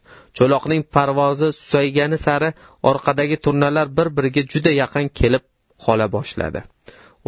cho'loqning parvozi susaygani sari orqadagi turnalar bir biriga juda yaqin kelib qola boshladi